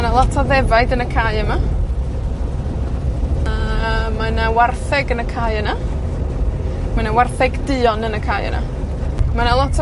Ma' 'na lot o ddefaid yn y cae yma. A mae 'na wartheg yn y cae yna. Ma' 'na wartheg duon yn y cae yna. Ma' '.na lot o